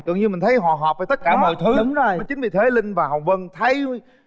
tự nhiên mình thấy họ hợp với tất cả mọi thứ mới chính vì thế linh và hồng vân thấy